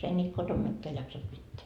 ei niitä kotona mikään jaksanut pitää